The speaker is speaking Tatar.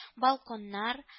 Балконнар